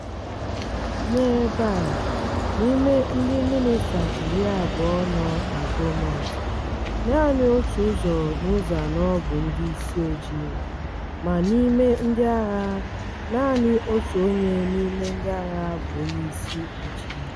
N'ebe a, n'ime ndị mịnịsta iri abụọ nọ na gọọmentị, naanị otu ụzọ n'ụzọ anọ bụ ndị isi ojii ma n'ime ndị agha, naanị otu onye n'ime ndị agha bụ onye isi ojii.